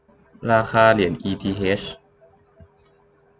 ราคาเหรียญอีทีเฮช